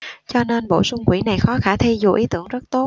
cho nên bổ sung quỹ này khó khả thi dù ý tưởng rất tốt